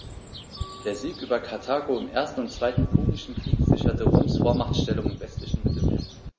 Der Sieg über Karthago im 1. und 2. Punischen Krieg sicherte Roms Vormachtstellung im westlichen Mittelmeer.